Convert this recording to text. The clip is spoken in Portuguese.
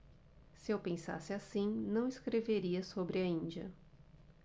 se eu pensasse assim não escreveria sobre a índia